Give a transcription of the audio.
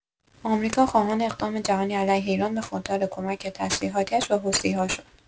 آمریکا خواهان اقدام جهانی علیه ایران به‌خاطر کمک‌‌های تسلیحاتی‌اش به حوثی‌ها شد.